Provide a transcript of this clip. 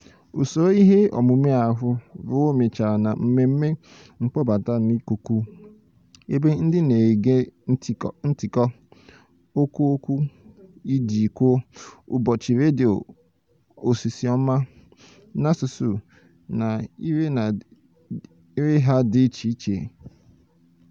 Usoro ihe omume ahụ ruo mechara na mmemme mkpọbata n'ikuku, ebe ndị na-ege ntĩkọ oku oku iji kwuo "Ụbọchị Redio osisi Ọma" n'asụsụ na ire ha dị iche iche: